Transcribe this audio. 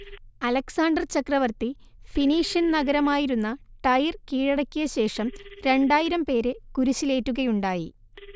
Alexander ചക്രവർത്തി Phoenician നഗരമായിരുന്ന Tyre കീഴടക്കിയശേഷം രണ്ടായിരം പേരെ കുരിശിലേറ്റുകയുണ്ടായി